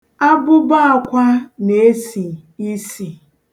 Abụbọ akwa na-esi isi.